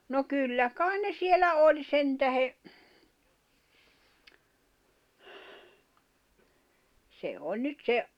no kyllä kai ne siellä oli sen tähden se oli nyt se